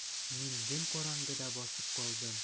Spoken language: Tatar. Мин дөм караңгыда басып калдым.